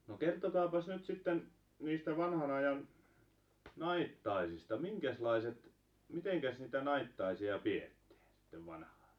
no kertokaapas nyt sitten niistä vanhanajan naittajaisista minkäslaiset mitenkäs niitä naittajaisia pidettiin sitten vanhaan